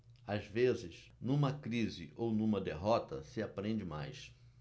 às vezes numa crise ou numa derrota se aprende mais